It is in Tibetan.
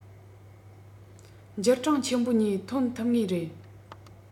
འགྱུར གྲངས ཆེན པོ གཉིས ཐོན ཐུབ ངེས རེད